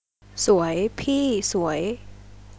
สวยพี่สวย